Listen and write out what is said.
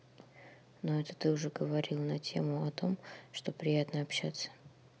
ну это ты уже говорил на тему о том что приятно общаться